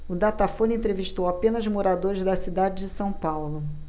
o datafolha entrevistou apenas moradores da cidade de são paulo